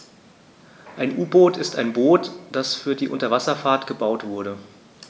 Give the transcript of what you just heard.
Ein U-Boot ist ein Boot, das für die Unterwasserfahrt gebaut wurde.